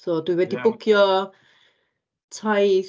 So dwi wedi bwcio taith.